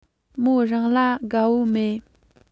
མོ རང ལ དགའ པོ མེད